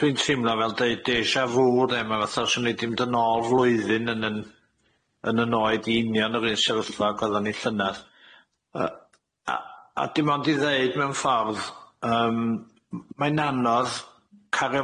Dwi'n teimlo fel deud deja vu de ma' fatha sw ni di mynd yn ôl flwyddyn yn yn yn yn oed i union yr un sefyllfa ag oddan ni llynedd yy a a dim ond i ddeud mewn ffordd yym m- mae'n anodd cario